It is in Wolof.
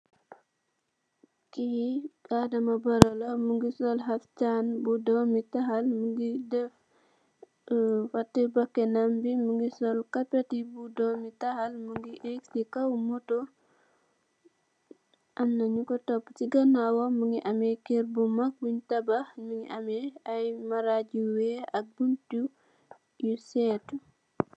Kii Adama Baro la, mingi sol xaftaan bu doomitaal, mingi def, wati bakanam bi, mingi sol kupeti bu doomitaal, mungi ag si kaw moto, amna nyun ko toppu, si ganaawam mingi ame ker bu mag, bunj tabax, ame ay maraaj yu weex ak buntu yu seetu.